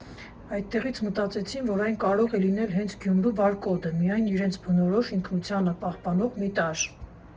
Այդտեղից մտածեցին, որ այն կարող է լինել հենց Գյումրու բարկոդը, միայն իրեն բնորոշ, ինքնությունը պահպանող մի տարր։